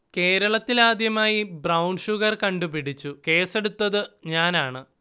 കേരളത്തിൽ ആദ്യമായി 'brown sugar' കണ്ടുപിടിച്ചു, കേസ്സെടുത്തത് ഞാനാണ്